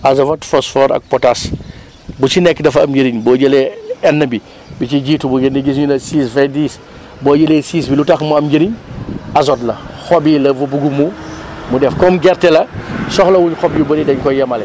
azovote phosphore ak potasse bu ci nekk dafa am njëriñ boo jëlee N bi bi ci jiitu bu ngeen di gis ñu ne 6 20 10 boo jëlee 6 bi lu tax mu am njëriñ azote la xob yi la fa bëgg mu mu def comme gerte la soxlawul xob yu bëri dañ koy yemale